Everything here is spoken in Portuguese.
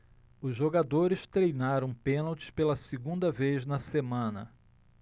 os jogadores treinaram pênaltis pela segunda vez na semana